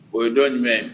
O ye dɔ jumɛn